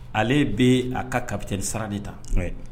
Ale bi a ka capitaine sara de ta